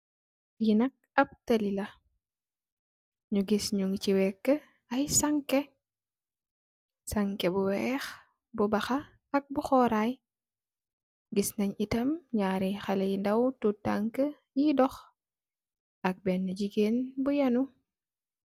Li nak ap tali la, ñi gis ñiñ ci weka ay sankeh. Sankeh bu wèèx , bu baxa ak bu xooray. Ngis item ñaari xalèh lu ndaw tut tanka ñi dox ak benna gigeen bu ènu.